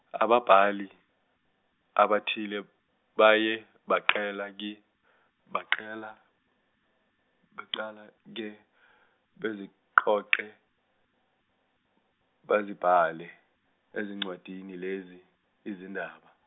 ababhali, abathile baye baqala -ke, baqala, baqala -ke baziqoqe, bazibhale ezincwadini lezi izindaba.